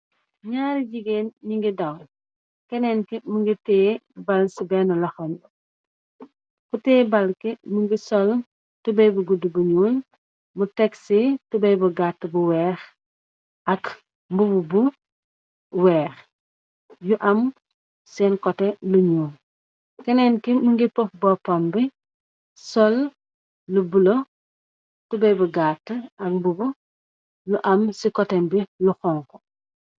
ñaari jigéen ñi ngi daw, keneen ki mu ngir tee bal ci benn loxambi, ku tée bal bi mi ngi sol tubey bu gudd bu ñuul mu teg ci tubey bu gatt bu weex, ak mbubu bu weex. Yu am seen kote luñuu keneen ki mi ngi pof boppam bi, sol lu bula, tubey bu gatt, ak mbub lu am ci kotem bi lu xonku.